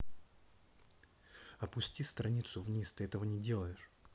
опусти страницу вниз ты этого не делаешь